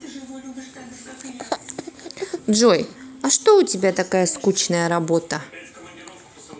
джой а что у тебя такая скучная работа